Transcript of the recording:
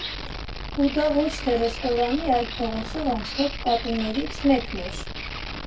Ու դա ոչ թե ռեստորանի, այլ փողոցով անցնող կատուներից մեկն էր։